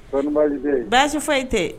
Kɔni baasi tɛ?